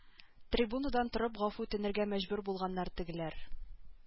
Трибунадан торып гафу үтенергә мәҗбүр булганнар тегеләр